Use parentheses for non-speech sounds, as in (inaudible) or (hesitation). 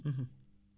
(hesitation) (hesitation)